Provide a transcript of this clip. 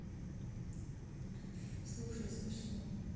слушай смешно